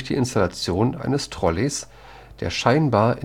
Installation eines Trolleys, der scheinbar